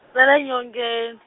ra le nyongen-.